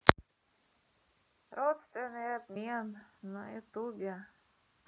родственный обмен на ютубе